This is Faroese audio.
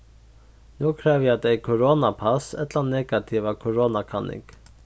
nú krevja tey koronapass ella negativa koronakanning